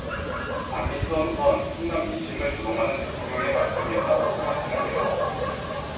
안민석 우선 성난 민심을 조롱하는 대통령의 말씀이었다고 생각 되는데요